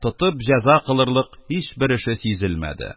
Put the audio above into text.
Тотып җәза кылырлык һичбер эше сизелмәде